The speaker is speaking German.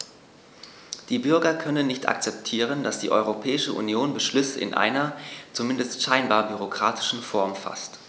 Die Bürger können nicht akzeptieren, dass die Europäische Union Beschlüsse in einer, zumindest scheinbar, bürokratischen Form faßt.